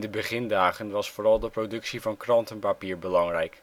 de begindagen was vooral de productie van krantenpapier belangrijk.